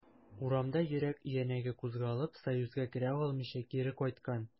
Урамда йөрәк өянәге кузгалып, союзга керә алмыйча, кире кайткан.